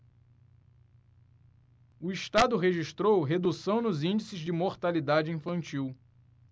o estado registrou redução nos índices de mortalidade infantil